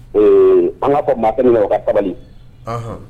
Ɛɛ an ka fɔ maa kelen ka